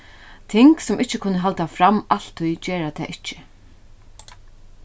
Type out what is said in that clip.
ting sum ikki kunnu halda fram altíð gera tað ikki